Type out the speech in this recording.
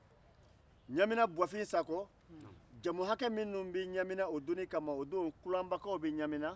ɲamina buwafin sakɔ jamu hakɛ minnu bɛ ɲamina o donnin kama o don kulanbakaw bɛ ɲamina